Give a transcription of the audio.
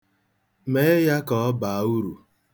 Mee ya ka ọ baa uru.